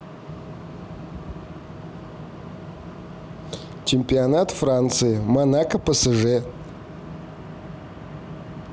чемпионат франции монако псж